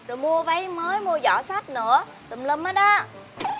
rồi mua váy mới mua giỏ xách nữa tùm lum hết á